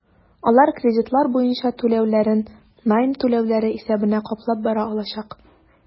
Алар кредитлар буенча түләүләрен найм түләүләре исәбенә каплап бара алачак.